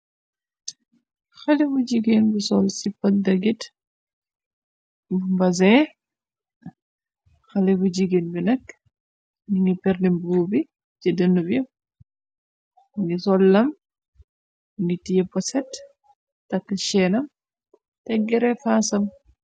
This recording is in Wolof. Xale bu jigéen bu sol ci pat dagit bu mbazin xale bu jigeen bi nekk ningi perni buu bi ci dënn bi ngi sollam nit ye poset takk cheenam teggere faasam.